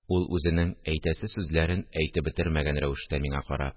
Ул, үзенең әйтәсе сүзләрен әйтеп бетермәгән рәвештә миңа карап: